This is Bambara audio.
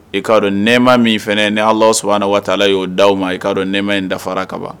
I k'a dɔn nɛma min fana ni Alahu subuhanahu wataala y'o o di aw ma i k'a dɔn nema in dafara kaban.